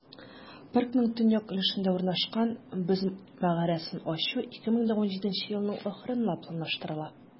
Паркның төньяк өлешендә урнашкан "Боз мәгарәсен" ачу 2017 елның ахырына планлаштырыла.